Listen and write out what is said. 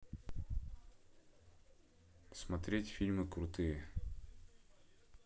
смотреть фильмы крутые